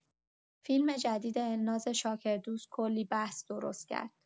فیلم جدید الناز شاکردوست کلی بحث درست کرد.